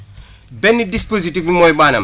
benn dispositif bi mooy maanaam